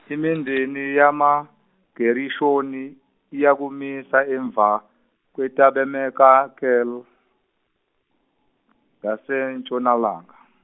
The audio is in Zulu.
imindeni yamaGereshoni iyakumisa emva kwetabemekakele ngasentshonalanga.